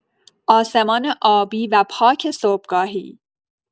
آسمان آبی و پاک صبحگاهی